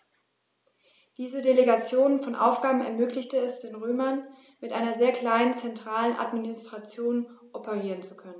Diese Delegation von Aufgaben ermöglichte es den Römern, mit einer sehr kleinen zentralen Administration operieren zu können.